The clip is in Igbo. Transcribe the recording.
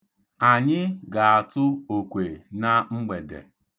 Anyị ga-atụ okwe na mgbede.